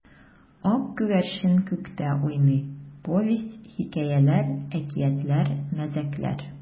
Ак күгәрчен күктә уйный: повесть, хикәяләр, әкиятләр, мәзәкләр.